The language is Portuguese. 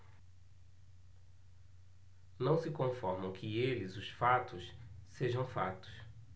não se conformam que eles os fatos sejam fatos